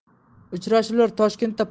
uchrashuvlar toshkentda